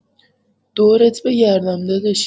دورت بگردم داداشی